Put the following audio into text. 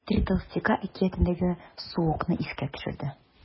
“три толстяка” әкиятендәге суокны искә төшерде.